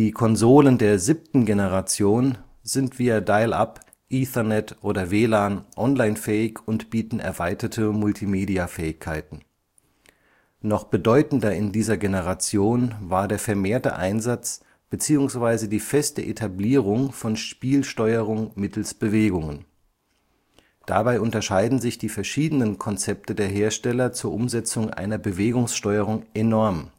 Konsolen der siebten Generation sind via Dial-up, Ethernet oder WLAN onlinefähig und bieten erweiterte Multimedia-Fähigkeiten. Noch bedeutender in dieser Generation war der vermehrte Einsatz bzw. die feste Etablierung von Spielsteuerungen mittels Bewegungen. Dabei unterscheiden sich die verschiedenen Konzepte der Hersteller zur Umsetzung einer Bewegungssteuerung enorm